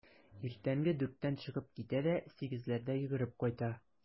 Иртәнге дүрттән чыгып китә дә сигезләрдә йөгереп кайта.